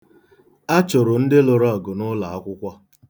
A chụrụ ndị lụrụ ọgụ n'ụlọakwụkwọ.